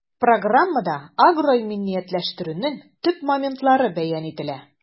Программада агроиминиятләштерүнең төп моментлары бәян ителә.